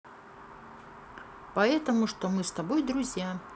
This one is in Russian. потому что мы с тобой друзья